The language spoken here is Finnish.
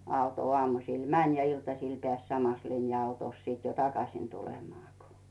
auto aamusilla meni ja iltasilla pääsi samassa linja-autossa sitten jo takaisin tulemaan kun